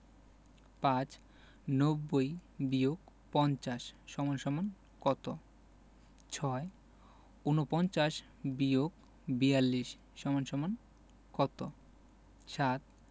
৫ ৯০-৫০ = কত ৬ ৪৯-৪২ = কত ৭